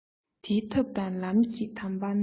དེའི ཐབས དང ལམ གྱི དམ པ ནི